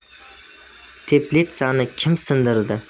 teplitsani kim sindirdi